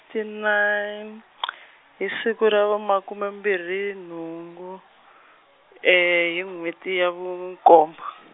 -ty nine , hi siku ra vu makume mbirhi nhungu, hi n'wheti ya vu nkombo.